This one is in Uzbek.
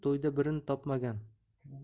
to'yda birin topmagan